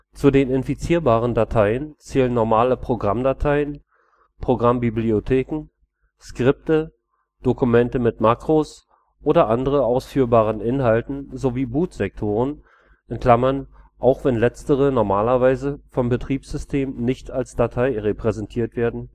Zu den infizierbaren Dateien zählen normale Programmdateien, Programmbibliotheken, Skripte, Dokumente mit Makros oder anderen ausführbaren Inhalten sowie Bootsektoren (auch wenn letztere normalerweise vom Betriebssystem nicht als Datei repräsentiert werden